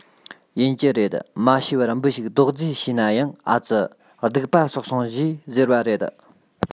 ཡིན གྱི རེད མ ཤེས པར འབུ ཞིག རྡོག རྫིས བྱས ན ཡང ཨ ཙི སྡིག པ བསགས སོང ཞེས ཟེར བ རེད